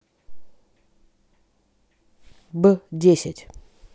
б десять